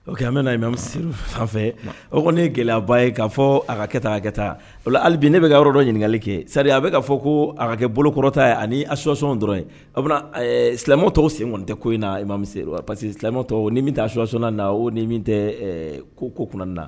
A bɛ na sanfɛ o kɔni ne gɛlɛyaba ye' fɔ a ka kɛ taa a kɛ taa halibi ne bɛka ka yɔrɔ dɔn ɲininkali kɛ seri a bɛ ka fɔ ko a ka kɛ bolo kɔrɔta ye ani a sɔwasɔnɔn dɔrɔn yen silamɛ tɔgɔ sen tɛ ko in na i ma se parce quema tɔgɔ ni min taa suwasanon na o ni min tɛ ko ko kunna na